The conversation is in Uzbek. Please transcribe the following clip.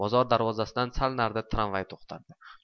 bozor darvozasidan sal narida tramvay to'xtardi